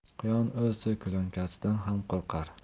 quyon o'z ko'lankasidan ham qo'rqar